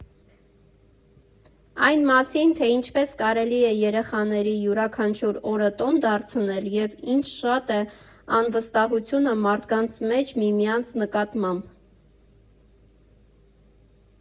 Այն մասին, թե ինչպես կարելի է երեխաների յուրաքանչյուր օրը տոն դարձնել և ինչ շատ է անվստահությունը մարդկանց մեջ միմյանց նկատմամբ.